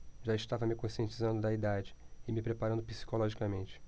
já estava me conscientizando da idade e me preparando psicologicamente